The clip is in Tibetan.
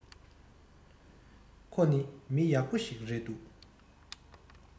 ཁོ ནི མི ཡག པོ ཞིག རེད འདུག